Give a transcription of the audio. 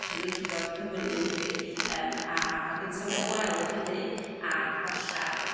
chymreicdod Cymru yn dydi? Yym a a gynta' ma' n'w'n gweld hynny ag 'falla'